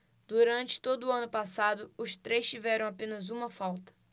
durante todo o ano passado os três tiveram apenas uma falta